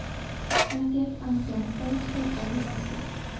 vaziyat aniqlansa ruxsat olursiz